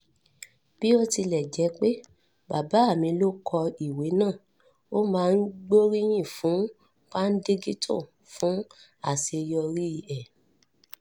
Bí ó tilẹ̀ jẹ́ pé bàbá mi ló kọ ìwé náà, ó máa n gbóríyìn fún Paddington fún àṣeyọrí ẹ̀.”